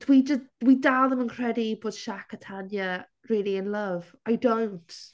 Dwi jys- dwi dal ddim yn credu bod Shaq a Tanya really in love. I don't.